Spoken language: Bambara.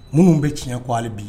Minnu bɛ tiɲɛ ko ale bi ye